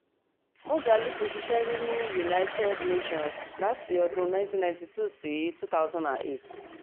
Moghalu ti ṣiṣẹ́ rí ní United Nations láti ọdún 1992 sí 2008.